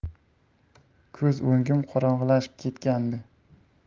ko'z o'ngim qorong'ilashib ketgandi